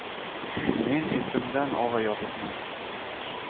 men esimdan og'ayozibman